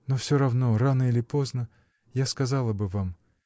Но всё равно, рано или поздно — я сказала бы вам.